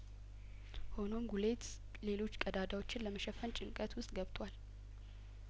ሆኖም ጉሌት ሌሎች ቀዳዳዎችን ለመሸፈን ጭንቀት ውስጥ ገብቷል